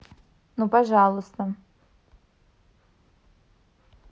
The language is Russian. ну пожалуйста